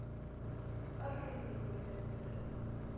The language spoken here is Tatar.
- ыр-р-р! – дип, үртәп куйды.